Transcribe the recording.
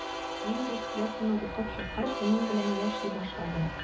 Мин бу пьесаны укып чыккач, шуның белән яши башладым.